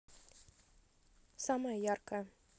самая яркая